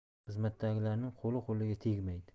xizmatdagilarning qo'li qo'liga tegmaydi